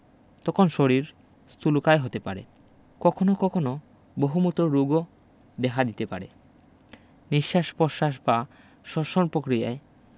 তখন শরীর স্থুলকায় হতে পারে; কখনো কখনো বহুমূত্র রোগও দেখা দিতে পারে নিঃশ্বাস পশ্বাস বা শ্বসন পক্রিয়ায়